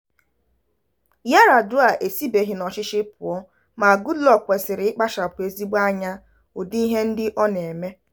Yar'adua esibeghị n'ọchịchị pụọ ma Goodluck kweiri ịkpachapụ ezigbo anya ụdị ihe ndị ọ na-eme.